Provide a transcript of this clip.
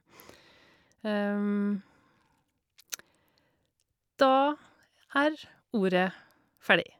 Da er ordet ferdig.